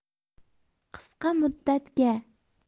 qisqa muddatga